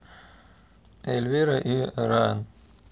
эльвира и ryan